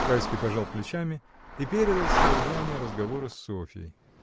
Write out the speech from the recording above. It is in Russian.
Райский пожал плечами и передал содержание разговора с Софьей.